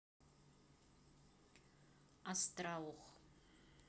астраух